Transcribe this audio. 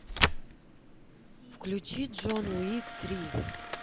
включи джон уик три